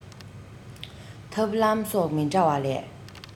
ཐབས ལམ སོགས མི འདྲ བ ལས